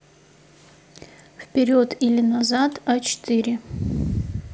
вперед или назад а четыре